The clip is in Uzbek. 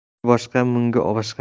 uyi boshqa mungi boshqa